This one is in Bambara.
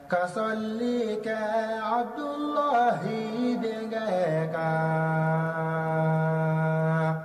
Ka sɔli kɛ Abudulahi denkɛ kan